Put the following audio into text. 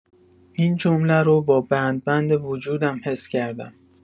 این جمله رو با بند بند وجودم حس کردم